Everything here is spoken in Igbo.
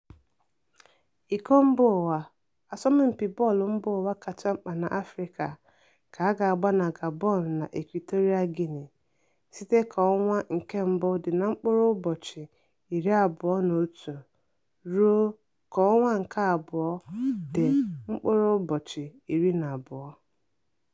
Iko Mbaụwa, asọmpi bọọlụ mbaụwa kacha mkpa n'Afrịka, ka a ga-agba na Gabon na Equatorial Guinea site Jenụwarị 21 ruo 12 Febụwarị.